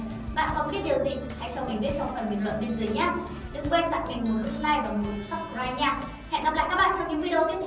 bạn còn biết điều gì hãy cho mình biết trong phần bình luận bên dưới nhé đừng quên ủng hộ mình bằng nút like và nút subscribe nha hẹn gặp lại các bạn trong những video tiếp theo